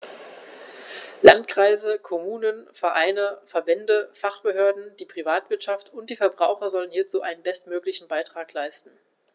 Landkreise, Kommunen, Vereine, Verbände, Fachbehörden, die Privatwirtschaft und die Verbraucher sollen hierzu ihren bestmöglichen Beitrag leisten.